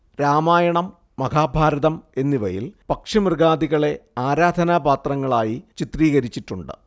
രാമായണം മഹാഭാരതം എന്നിവയിൽ പക്ഷിമൃഗാദികളെ ആരാധനാപാത്രങ്ങളായി ചിത്രീകരിച്ചിട്ടുണ്ട്